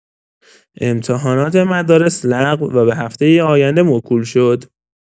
امتحانات مدارس لغو و به هفته آینده موکول شد.